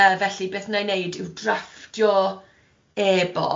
Yy felly beth wna i wneud yw drafftio e-bost, falle